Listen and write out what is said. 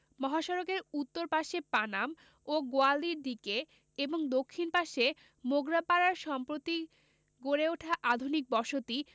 মহাসড়কের উত্তর পাশে পানাম ও গোয়ালদির দিকে এবং দক্ষিণ পাশে মোগরাপাড়ার সম্প্রতি গড়ে ওঠা আধুনিক বসতি